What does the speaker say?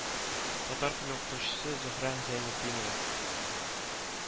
Татар теле укытучысы Зөһрә Зәйнетдинова